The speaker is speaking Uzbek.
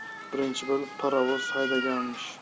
birinchi bo'lib parovoz haydaganmish